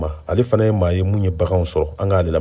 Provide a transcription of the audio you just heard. ale fana ye maa ye min ye bagan sɔrɔ an ka a de lamɛn